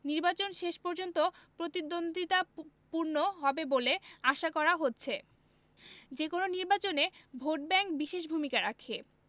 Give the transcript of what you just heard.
নির্বাচন শেষ পর্যন্ত প্রতিদ্বন্দ্বিতাপূর্ণ হবে বলে আশা করা হচ্ছে যেকোনো নির্বাচনে ভোটব্যাংক বিশেষ ভূমিকা রাখে